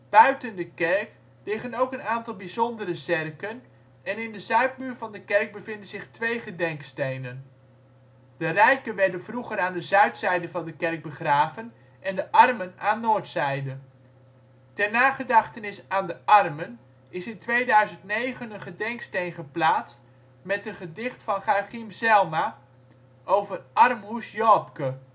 Buiten de kerk liggen ook een aantal bijzondere zerken en in de zuidmuur van de kerk bevinden zich twee gedenkstenen. De rijken werden vroeger aan zuidzijde van het kerk begraven en de armen aan noordzijde. Ter nagedachtenis aan de armen is in 2009 een gedenksteen geplaatst met een gedicht van Geuchien Zijlma over ' armhoes Joapke